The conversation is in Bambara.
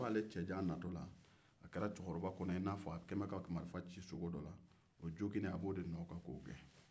nka o ɲɛ bɛ ale cɛ jan natɔ la a kɛra cɛkɔrɔba kɔnɔ k'a kɛlen bɛ ka marifa ci sogo dɔ la o b'o joginnen nɔ kan ko gɛn